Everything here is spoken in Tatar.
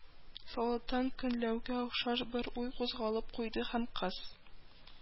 Солдаттан көнләүгә охшаш бер уй кузгалып куйды һәм кыз